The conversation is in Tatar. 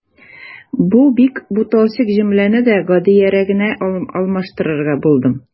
Бу бик буталчык җөмләне дә гадиерәгенә алмаштырырга булдым.